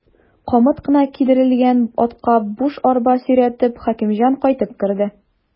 Камыт кына кидерелгән атка буш арба сөйрәтеп, Хәкимҗан кайтып керде.